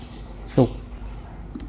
ศุกร์